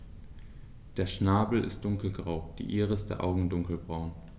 Der Schnabel ist dunkelgrau, die Iris der Augen dunkelbraun.